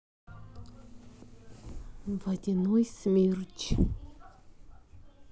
водяной смерч